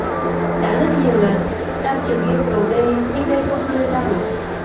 đã rất nhiều lần đan trường yêu cầu d nhưng d không đưa ra được